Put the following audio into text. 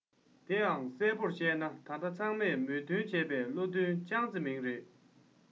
དེའང གསལ པོ བཤད ན ད ལྟ ཚང མས མོས མཐུན བྱས པའི བློ ཐུན ཅང ཙེ མིང རེད